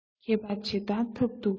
མཁས པ ཇི ལྟར ཐབས རྡུགས ཀྱང